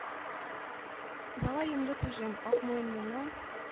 Бала йомды күзен...Ак муеныннан